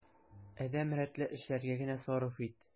Адәм рәтле эшләргә генә сарыф ит.